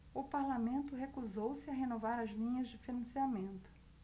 o parlamento recusou-se a renovar as linhas de financiamento